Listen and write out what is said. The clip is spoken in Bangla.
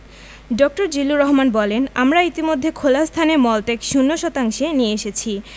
ড. জিল্লুর রহমান বলেনআমরা ইতিমধ্যে খোলা স্থানে মলত্যাগ শূন্য শতাংশে নিয়ে এসেছি